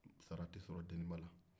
sara tɛ sɔrɔ deniba la